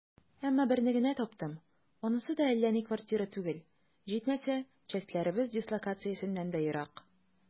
Әмма берне генә таптым, анысы да әллә ни квартира түгел, җитмәсә, частьләребез дислокациясеннән дә ерак.